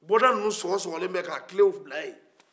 bɔda ninnu sɔgɔsɔgɔlen bɛ ka kilenw bila ye